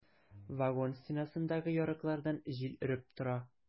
Вагон стенасындагы ярыклардан җил өреп тора.